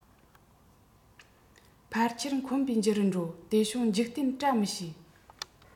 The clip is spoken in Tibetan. ཕལ ཆེར འཁོན པའི རྒྱུ རུ འགྲོ དེ བྱུང འཇིག རྟེན བཀྲ མི ཤིས